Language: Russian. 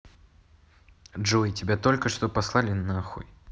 джой тебя только что послали нахуй